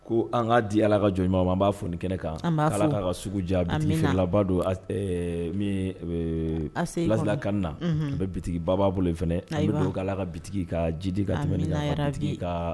Ko an kaa di ala ka jɔn ɲuman an b'a fɔ ni kɛnɛ kan ala k' ka sugu jan bilaba don balila kan na bɛ bitigi bababa bolo in fɛ b'o ala ka bitigi ka jidi ka tɛmɛ yɛrɛtigi ka